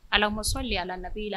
Ala muso le ala nabi i la